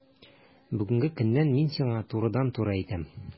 Бүгенге көннән мин сиңа турыдан-туры әйтәм: